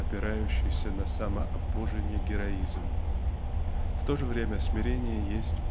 опирающийся на самообожение героизм. В то же время смирение есть